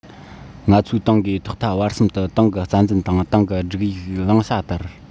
ང ཚོའི ཏང གིས ཐོག མཐའ བར གསུམ དུ ཏང གི རྩ འཛིན དང ཏང གི སྒྲིག ཡིག གི བླང བྱ ལྟར